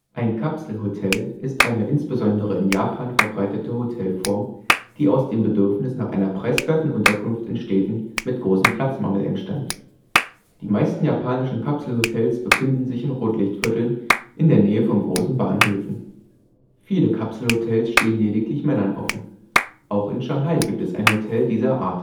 Ein Kapselhotel (カプセルホテル kapuseru hoteru; gelegentlich Wabenhotel oder Schließfachhotel, abwertend Sarghotel) ist eine insbesondere in Japan verbreitete Hotelform, die aus dem Bedürfnis nach einer preiswerten Unterkunft in Städten mit großem Platzmangel entstand. Die meisten japanischen Kapselhotels befinden sich in Rotlichtvierteln in der Nähe von großen Bahnhöfen. Viele Kapselhotels stehen lediglich Männern offen. Auch in Shanghai gibt es ein Hotel dieser Art.